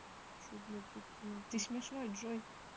ты смешной джой